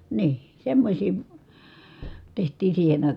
niin semmoisia tehtiin siihen aikaan